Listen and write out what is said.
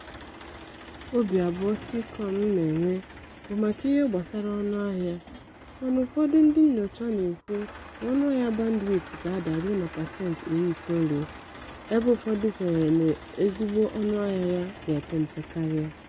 Obi abụọ Seacom na-enwe bụ maka ihe gbasara ọnụahịa: mana ụfọdụ ndị nnyocha na-ekwu na ọnụahịa Bandwit ga-ada ruo na pasenti 90, ebe ụfọdụ kwenyere na ezigbo ọnụahịa ya ga-epe mpe karị.